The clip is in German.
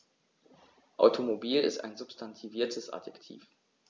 Automobil ist ein substantiviertes Adjektiv.